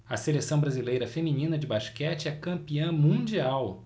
a seleção brasileira feminina de basquete é campeã mundial